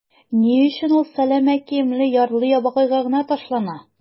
Ни өчен ул сәләмә киемле ярлы-ябагайга гына ташлана?